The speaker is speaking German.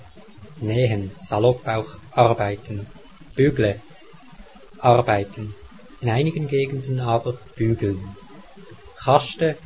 nähen ", (salopp auch) " arbeiten " bügle –" arbeiten ", (in einigen Gegenden aber) " bügeln " Chaschte